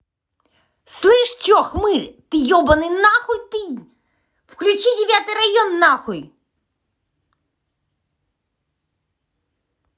слышь че хмырь ты ебаный нахуй ты включи девятый район нахуй